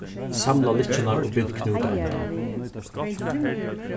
samla lykkjurnar og bint knút á endan